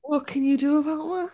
What can you do about that?